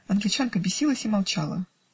Англичанка бесилась и молчала.